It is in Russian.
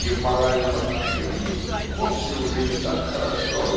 И в моральном отношении вовсе уже не так хорошо